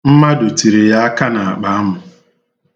Mmadụ tiri ya aka n'akpaamụ